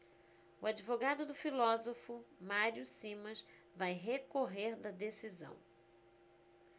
o advogado do filósofo mário simas vai recorrer da decisão